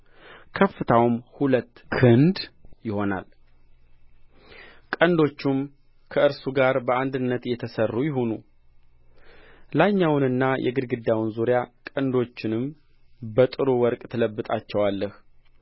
ከፍታውም ሁለት ክንድ ይሆናል ቀንዶቹም ከእርሱ ጋር በአንድነት የተሠሩ ይሁኑ ላይኛውንና የግድግዳውንም ዙሪያ ቀንዶቹንም በጥሩ ወርቅ ትለብጠዋለህ